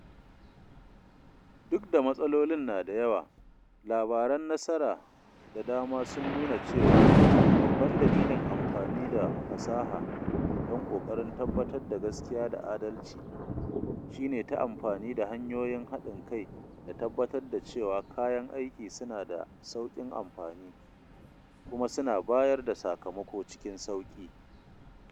Duk da matsalolin nada yawa, labaran nasara da dama sun nuna cewa babban dalilin amfani da fasaha don ƙoƙarin tabbatar da gaskiya da adalci, shine ta amfani da hanyoyin haɗin kai da tabbatar da cewa kayan aiki suna da sauƙin amfani, kuma suna bayar da sakamako cikin sauri.